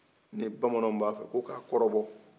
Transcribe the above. ni bamananw b'a fɔ ko k'a kɔrɔbɔ